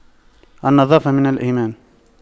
النظافة من الإيمان